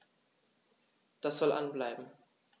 Das soll an bleiben.